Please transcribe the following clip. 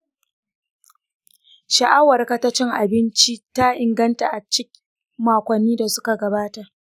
sha’awarka ta cin abinci ta inganta a cikin makonnin da suka gabata?